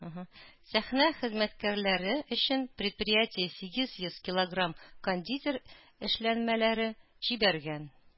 Сәхнә хезмәткәрләре өчен предприятие сигез йөз килограмм кондитер эшләнмәләре җибәргән.